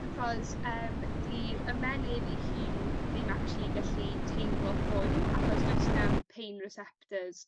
ahcos yym 'di'r ymennydd 'i hun ddim actually gallu teimlo poen achos does 'na'm pain receptors